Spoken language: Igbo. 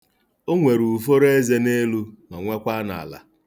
O nwere uforo eze n'elu ma nwekwaa n'ala.